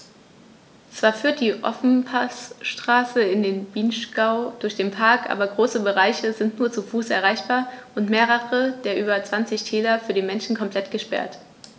Zwar führt die Ofenpassstraße in den Vinschgau durch den Park, aber große Bereiche sind nur zu Fuß erreichbar und mehrere der über 20 Täler für den Menschen komplett gesperrt.